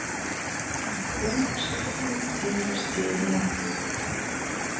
арсен шахунц день рождения